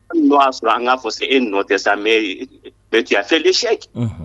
Y'a sɔrɔ an kaa fɔ se e nɔ tɛ sa mɛfeeli sɛ